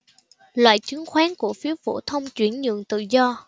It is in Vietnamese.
loại chứng khoán cổ phiếu phổ thông chuyển nhượng tự do